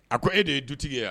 A ko e de ye dutigi wa